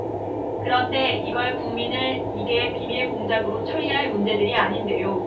그런데 이걸 국민을 이게 비밀 공작으로 처리할 문제들이 아닌데요